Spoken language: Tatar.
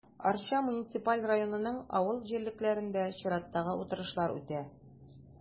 Арча муниципаль районының авыл җирлекләрендә чираттагы утырышлар үтә.